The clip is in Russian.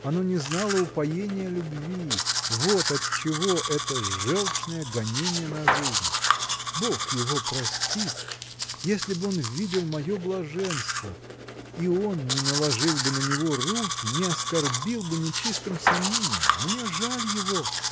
оно не знало упоения любви, вот отчего это желчное гонение на жизнь. Бог его простит! Если б он видел мое блаженство и он не наложил бы на него руки не оскорбил бы нечистым сомнением. Мне жаль его.